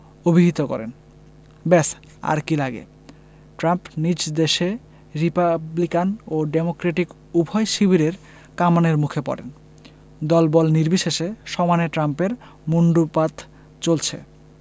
অভিহিত করেন ব্যস আর কী লাগে ট্রাম্প নিজ দেশে রিপাবলিকান ও ডেমোক্রেটিক উভয় শিবিরের কামানের মুখে পড়েন দলবল নির্বিশেষে সমানে ট্রাম্পের মুণ্ডুপাত চলছে